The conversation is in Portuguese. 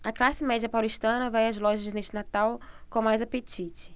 a classe média paulistana vai às lojas neste natal com mais apetite